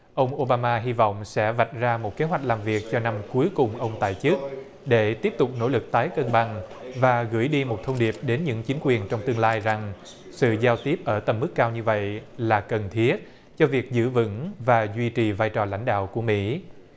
ông ô ba ma hi vọng sẽ vạch ra một kế hoạch làm việc cho năm cuối cùng ông tại chức để tiếp tục nỗ lực tái cân bằng và gửi đi một thông điệp đến những chính quyền trong tương lai rằng sự giao tiếp ở tầm mức cao như vậy là cần thiết cho việc giữ vững và duy trì vai trò lãnh đạo của mỹ